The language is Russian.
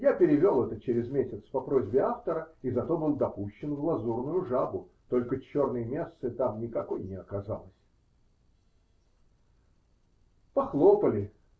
Я перевел это через месяц, по просьбе автора, и за то был допущен в "Лазурную Жабу", только черной мессы там никакой не оказалось. ) Похлопали.